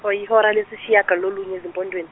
oh yihora lesishiyagalolunye ezimpondwen-.